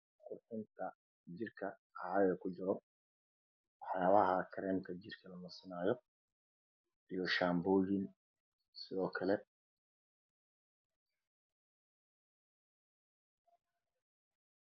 Qurxinta jirka caagag kujiro waxyaabaha kareemka jirka lamarsanayo iyo shaambooyin sidookale